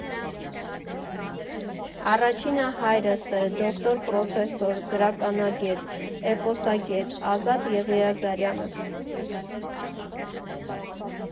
Առաջինը հայրս է՝ դոկտոր պրոֆեսոր, գրականագետ, էպոսագետ Ազատ Եղիազարյանը։